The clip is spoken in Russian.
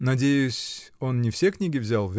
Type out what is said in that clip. — Надеюсь, он не все книги взял?